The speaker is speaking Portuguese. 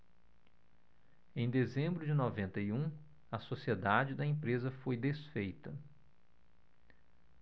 em dezembro de noventa e um a sociedade da empresa foi desfeita